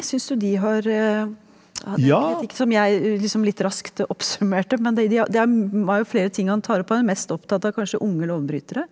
syns du de har hatt en kritikk som jeg liksom litt raskt oppsummerte men det ja det er var jo flere ting han tar opp og han er mest opptatt av kanskje unge lovbrytere?